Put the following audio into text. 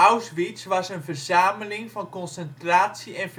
Auschwitz was een verzameling van concentratie - en